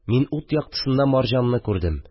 Мин ут яктысында марҗамны күрдем